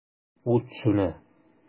Ут сүнә.